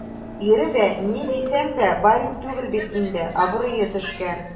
Ире дә, ни дисәң дә, барин түгел бит инде - абруе төшкән.